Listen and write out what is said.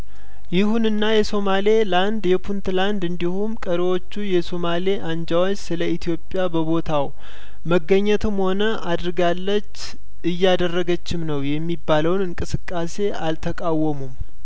ይሁንና የሶማሌ ላንድ የፑንትላንድ እንዲሁም ቀሪዎቹ የሱማሌ አንጃዎች ስለኢትዮጵያ በቦታው መገኘትም ሆነ አድርጋለች እያደረገችም ነው የሚባለውን እንቅስቃሴ አልተቃወሙም